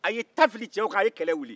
a ye ta fili cɛw kan a ye kɛlɛ wuli